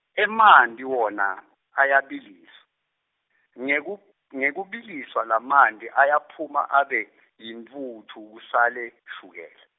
emanti wona ayabilis-, Ngeku Ngekubiliswa lamanti ayaphuma abe, yintfutfu kusale shukela.